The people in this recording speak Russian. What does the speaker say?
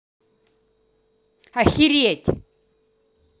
охереть